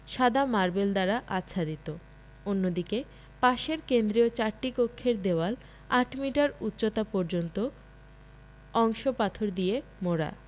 সাদা মার্বেল দ্বারা আচ্ছাদিত অন্যদিকে পাশের কেন্দ্রীয় চারটি কক্ষের দেওয়াল আট মিটার উচ্চতা পর্যন্ত অংশ পাথর দিয়ে মোড়া